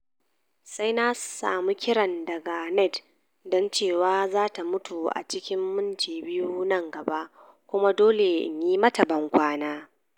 "Sai na samu kiran daga Nad don cewa za ta mutu a cikin minti biyu nan gaba kuma dole in yi mata bankwana.